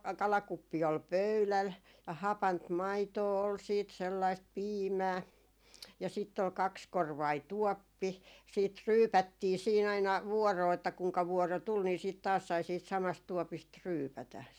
kalakuppi oli pöydällä ja hapanta maitoa oli sitten sellaista piimää ja sitten oli kaksikorvainen tuoppi siitä ryypättiin siinä aina vuoroon että kenenkä vuoro tuli niin sitten sai taas siitä samasta tuopista ryypätä